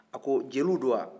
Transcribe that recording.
a ko jeliw don wa